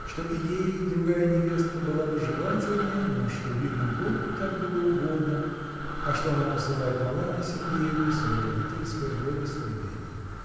что и ей другая невестка была бы желательнее, но что, видно, богу так было угодно, а что она посылает Маланье Сергеевне свое родительское благословение.